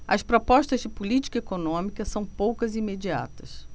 as propostas de política econômica são poucas e imediatas